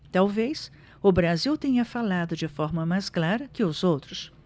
talvez o brasil tenha falado de forma mais clara que os outros